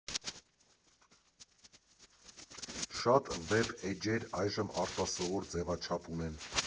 Շատ վեբ էջեր այժմ արտասովոր ձևաչափ ունեն։